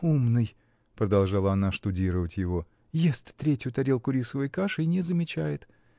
“Умный!” — продолжала она штудировать его, — ест третью тарелку рисовой каши и не замечает!